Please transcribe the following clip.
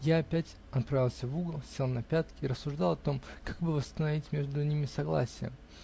я опять отправился в угол, сел на пятки и рассуждал о том, как бы восстановить между ними согласие.